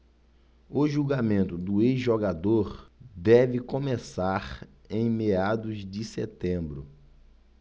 o julgamento do ex-jogador deve começar em meados de setembro